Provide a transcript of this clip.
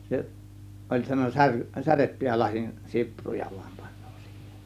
se oli sanoi - särjettyjä lasin sipruja vain panee siihen